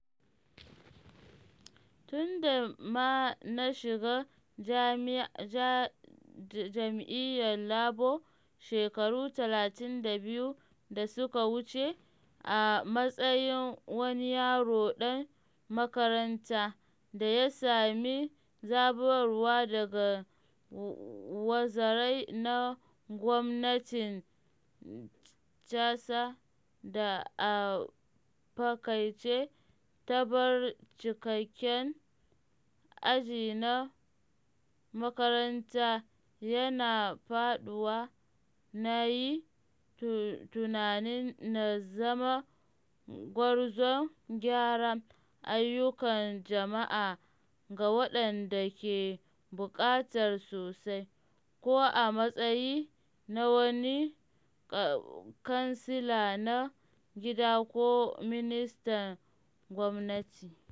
Tun da ma na shiga jam’iyyar Labour shekaru 32 da suka wuce a matsayin wani yaro dan makaranta, da ya sami zaburarwa daga wazarai na gwamnatin Thatcher da a fakaice ta bar cikekken ajina na makaranta yana faɗuwa, na yi tunanin na zama gwarzon gyara ayyukan jama’a ga waɗanda ke buƙatar sosai - ko a matsayi na wani kansila na gida ko ministan gwamnati.